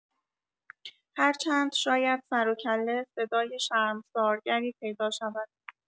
هرچند شاید سروکله صدای شرمسارگری پیدا شود.